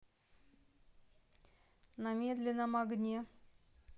на медленном огне